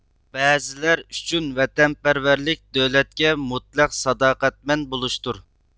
بەزىلەر ئۈچۈن ۋەتەنپەرۋەرلىك دۆلەتكە مۇتلەق ساداقەتمەن بولۇشتۇر